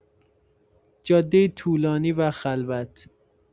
جاده طولانی و خلوت